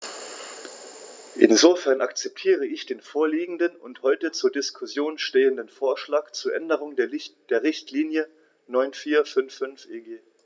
Insofern akzeptiere ich den vorliegenden und heute zur Diskussion stehenden Vorschlag zur Änderung der Richtlinie 94/55/EG.